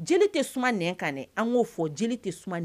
Jeli te suma nɛn kan nɛ an ŋ'o fɔ jeli te suma n